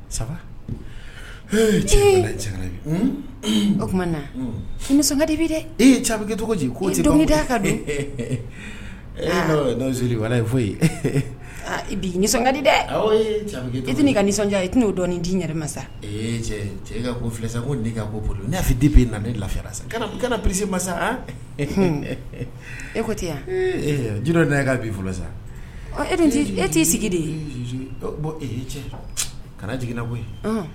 O nisɔnka de dɛ ekɛ tɔgɔ tɛ kan dɛ ye foyi bi nisɔnkadi dɛ e tɛ' ka nisɔndiya i t n'o dɔn di yɛrɛ masa sa ee ka ko ka bolo nefi di bɛ e na ne lafira sa kanasi masa e ko tɛ yan jinɛ nana' b'i sa e e t'i sigi de kana jiginna bɔ